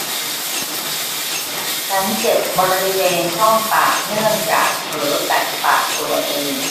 ฉันเจ็บบริเวณช่องปากเนื่องจากเผลอกัดปากตัวเอง